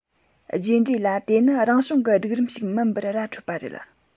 རྗེས འབྲས ལ དེ ནི རང བྱུང གི སྒྲིག རིམ ཞིག མིན པར ར འཕྲོད པ རེད